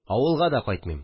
Авылга да кайтмыйм